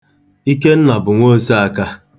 Ikenna bụ nwa oseaka.